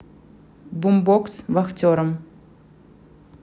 бумбокс вахтерам